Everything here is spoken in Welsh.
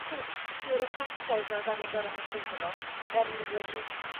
hwps biwrocrataidd 'ma 'dan ni'n goro mynd trwyddyn nhw er mwyn